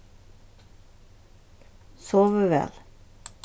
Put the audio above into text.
sovið væl